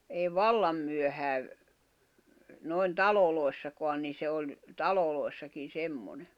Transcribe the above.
ei vallan myöhään noin taloissakaan niin se oli taloissakin semmoinen